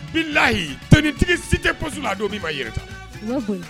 N bɛ layi ttigi si tɛ don' ma yɛrɛ ta